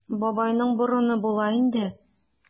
Бабайның борыны була инде.